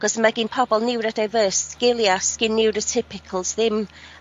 'C'os ma' gin pobol neurodivese sgilia sgin neurotypicals ddim.